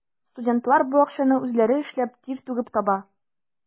Студентлар бу акчаны үзләре эшләп, тир түгеп таба.